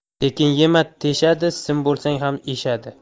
tekin yema teshadi sim bo'lsang ham eshadi